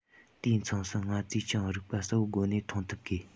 དུས མཚུངས སུ ང ཚོས ཀྱང རིག པ གསལ པོའི སྒོ ནས མཐོང ཐུབ དགོས